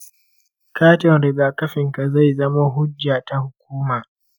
katin rigakafinka zai zama hujja ta hukuma.